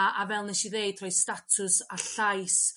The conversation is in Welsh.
a a fel neshi ddeud rhoi statws a llais